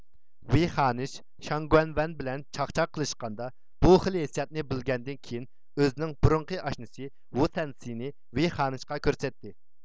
ۋېي خانىش شاڭگۈەنۋەن بىلەن چاخچاق قىلشقاندا بۇ خىل ھېسياتنى بىلگەندىن كېيىن ئۆزىنىڭ بۇرۇنقى ئاشنىسى ۋۇسەنسنى ۋېي خانىشقا كۆرسەتتى